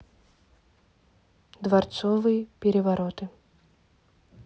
дворцовые перевороты